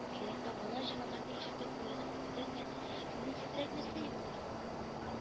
Бигрәк тә бала җылаганны ишетеп уянып китүдән дә күңелсезрәк нәрсә юктыр